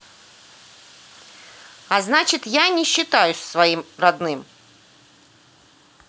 а значит я не считаюсь своим родным